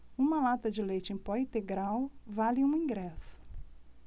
uma lata de leite em pó integral vale um ingresso